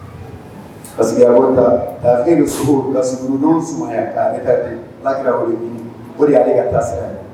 Parceseke e furu kaurun lara ka taasira ye